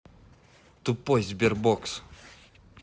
тупой sberbox